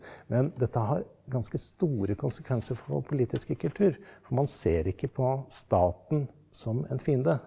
men dette har ganske store konsekvenser for vår politiske kultur for man ser ikke på staten som en fiende.